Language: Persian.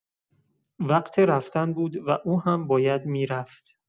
وقت رفتن بود و او هم باید می‌رفت.